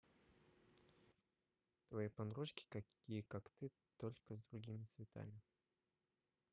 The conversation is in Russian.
твоей подружки какие как ты только с другими цветами